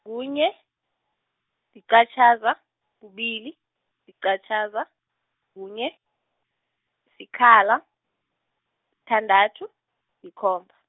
kunye, liqatjhaza, kubili, liqatjhaza, kunye, sikhala, thandathu, likhomba.